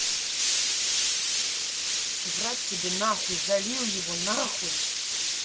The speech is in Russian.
врать себе нахуй залил его нахуй